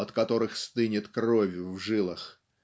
от которых стынет кровь в жилах